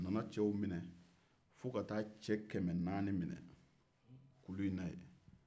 a nana cɛw minɛ fo ka se cɛ kɛmɛ naani ma kulu in na